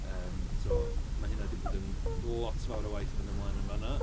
Yym so ma' hynna 'di bod yn lot fawr o waith i fynd ymlaen yn fan'na.